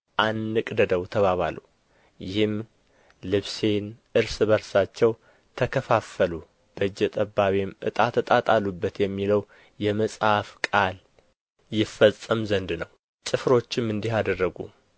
አንቅደደው ተባባሉ ይህም ልብሴን እርስ በርሳቸው ተከፋፈሉ በእጀ ጠባቤም ዕጣ ተጣጣሉበት የሚለው የመጽሐፍ ቃል ይፈጸም ዘንድ ነው ጭፍሮችም እንዲህ አደረጉ